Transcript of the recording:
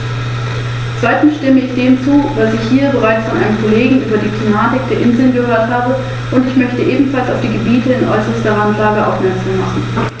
Das wäre auch erforderlich, um das Sicherheitsniveau in den nördlichen Regionen beizubehalten.